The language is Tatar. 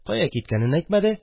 Кая киткәнен әйтмәде